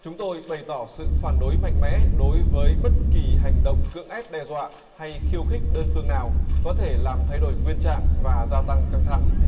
chúng tôi bày tỏ sự phản đối mạnh mẽ đối với bất kỳ hành động cưỡng ép đe dọa hay khiêu khích đơn phương nào có thể làm thay đổi nguyên trạng và gia tăng căng thẳng